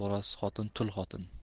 bolasiz xotin tul xotin